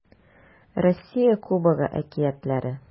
Россия Кубогы әкиятләре